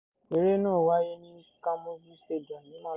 Eré náà wáyé ní Kamuzu Stadium ní Malawi.